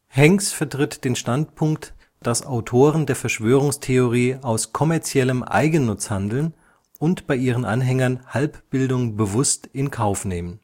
Hanks vertritt den Standpunkt, dass Autoren der Verschwörungstheorie aus kommerziellem Eigennutz handeln und bei ihren Anhängern Halbbildung bewusst in Kauf nehmen